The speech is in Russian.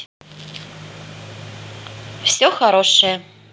все хорошее